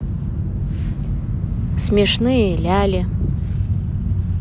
смешные ляли